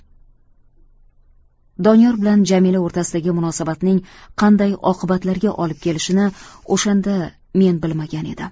doniyor bilan jamila o'rtasidagi munosabatning qanday oqibatlarga olib kelishini o'shanda men bilmagan edim